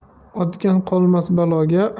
otgan qolmas baloga